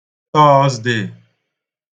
Tọọzde